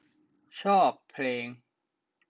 ชอบเพลง